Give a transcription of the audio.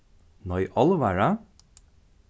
nei álvara